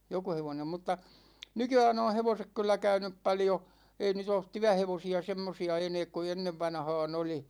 joku hevonen mutta nykyään on hevoset kyllä käynyt paljon ei nyt ole työhevosia semmoisia enää kuin ennen vanhaan oli